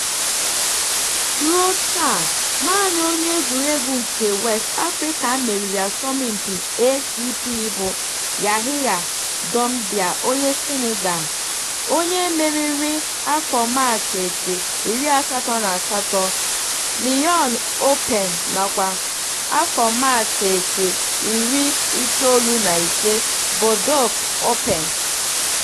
Ruo taa, naanị onye egwuruegwu nke West Africa meriri asọmpi ATP bụ Yahiya Doumbia onye Senegal, onye meriri 1988 Lyon Open nakwa 1995 Bordeaux Open.